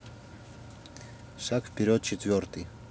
шаг вперед четвертый